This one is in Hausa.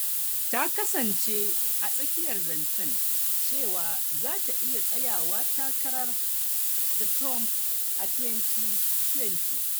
Ta kasance a tsakiyar zancen cewa zata iya tsayawa takara da Trump a 2020.